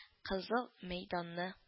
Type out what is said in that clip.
Кызыл мәйданны